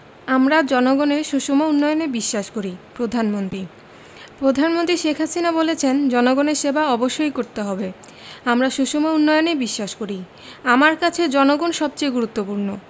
আমরা জনগণের সুষম উন্নয়নে বিশ্বাস করি প্রধানমন্তী প্রধানমন্ত্রী শেখ হাসিনা বলেছেন জনগণের সেবা অবশ্যই করতে হবে আমরা সুষম উন্নয়নে বিশ্বাস করি আমার কাছে জনগণ সবচেয়ে গুরুত্বপূর্ণ